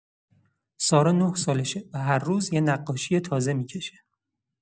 سارا نه سالشه و هر روز یه نقاشی تازه می‌کشه.